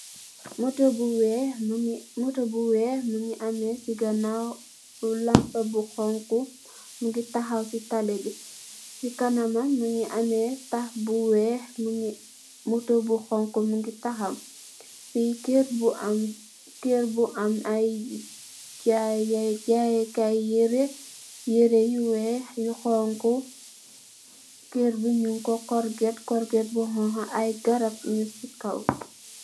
Moto bu weex mongi moto bu weex mongi ame si ganaw lampa bu xonxu mogi taxaw si taalibi si kanam mongi amex taff bu weex mogi moto bu xonxu mogi taxaw fi keur bu am keur bu am ay jaye jayakai yere yere yu weex yu xonxu keur bi ñyun ko korget korget bu xonxa ay garab nyung si kaw.